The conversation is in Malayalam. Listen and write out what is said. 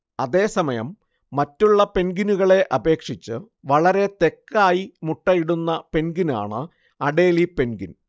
അതേസമയം മറ്റുള്ള പെൻഗ്വിനുകളെ അപേക്ഷിച്ച് വളരെ തെക്കായി മുട്ടയിടുന്ന പെൻഗ്വിനാണ് അഡേലി പെൻഗ്വിൻ